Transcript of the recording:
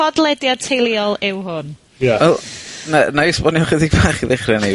podlediad teuluol yw hwn. Ia. Wel, na- na'i esbonio ychydig bach i ddechre hynny yw.